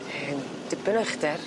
Hen dipyn o uchder.